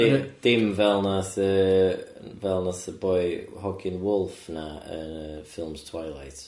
d-... Dim fel nath yy fel nath y boi hogyn wolf 'na yn yy ffilms Twilight.